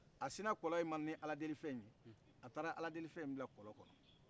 a cinna kɔlɔn in ma ni ala deli fɛn ye a y' ala deli fɛ in bila kɔlɔn kɔnɔn